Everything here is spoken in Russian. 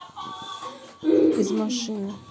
из машины